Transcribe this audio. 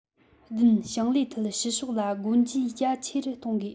བདུན ཞིང ལས ཐད ཕྱི ཕྱོགས ལ སྒོ འབྱེད རྒྱ ཆེ རུ གཏོང དགོས